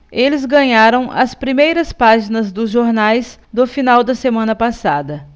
eles ganharam as primeiras páginas dos jornais do final da semana passada